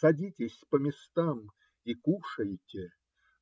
Садитесь по местам и кушайте,